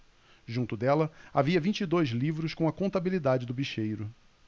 junto dela havia vinte e dois livros com a contabilidade do bicheiro